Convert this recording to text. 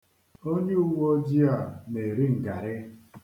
Onyeuweojii a na-eri ngari.